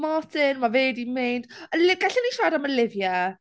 Martin, mae fe 'di mynd. Oli- gallwn ni siarad am Olivia?